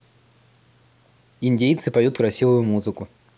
индейцы поют красивую музыку